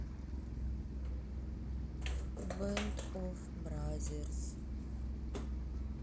бэнд оф бразерс